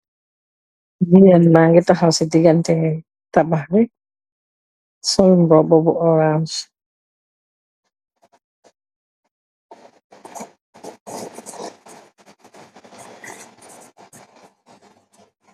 Jigeen ba ngi taxaaw si digante tabaax bi sol mbuba bu oras